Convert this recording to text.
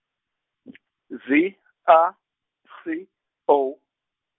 Z, A, C, O.